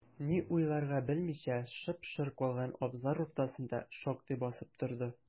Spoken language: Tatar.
Ни уйларга белмичә, шып-шыр калган абзар уртасында шактый басып торды.